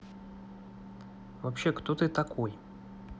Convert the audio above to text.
вообще кто ты такой